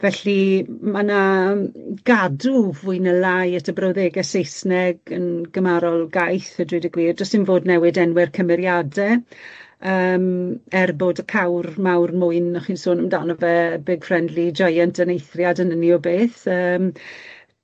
Felly ma' 'na gadw fwy ne' lai at y brawddege Saesneg yn gymharol gaeth a dweud y gwir do's dim fod newid enwe'r cymeriade yym er bod y cawr mawr mwyn o'ch chi'n sôn amdano fe, big friendly giant yn eithriad yn ynny o beth yym.